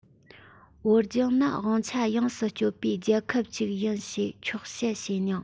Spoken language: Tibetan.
བོད ལྗོངས ནི དབང ཆ ཡོངས སུ སྤྱོད པའི རྒྱལ ཁབ ཅིག ཡིན ཞེས འཁྱོག བཤད བྱས མྱོང